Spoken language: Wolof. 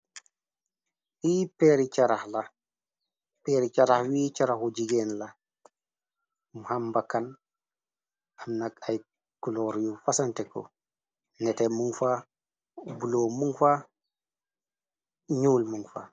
yi raxpeeri carax wi caraxu jigeen la mu hambakkan amnak ay kuloor yu fasante ko nete munfa bulo munfa ñuul munfa